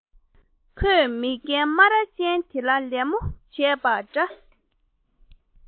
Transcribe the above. ཁོས མི རྒན སྨ ར ཅན དེ ལ ལད མོ བྱས པ འདྲ